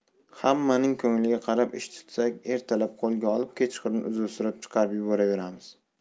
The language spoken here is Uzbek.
hammaning ko'ngliga qarab ish tutsak ertalab qo'lga olib kechqurun uzr so'rab chiqarib yuboraveramiz